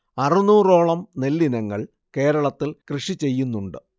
അറുന്നൂറോളം നെല്ലിനങ്ങൾ കേരളത്തിൽ കൃഷിചെയ്യുന്നുണ്ട്